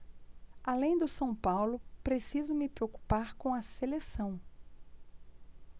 além do são paulo preciso me preocupar com a seleção